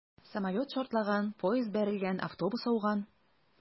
Самолет шартлаган, поезд бәрелгән, автобус ауган...